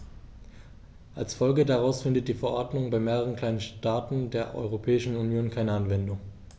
Als Folge daraus findet die Verordnung bei mehreren kleinen Staaten der Europäischen Union keine Anwendung.